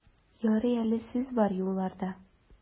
Ярый әле сез бар юлларда!